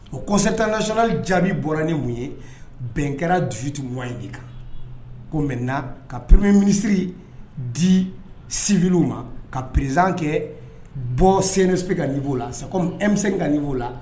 O consert nationale jaabi bɔra ni mun ye , bɛn kɛra 18 mois in de kan . Ko maintenant ka premier ministre di civils ma . Ka président bɔ C N S P ka niveau la c'est comme M5 ka niveau la.